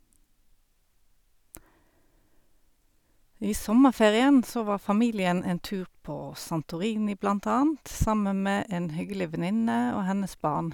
I sommerferien så var familien en tur på Santorini, blant annet, sammen med en hyggelig venninne og hennes barn.